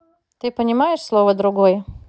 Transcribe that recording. ты понимаешь слово другой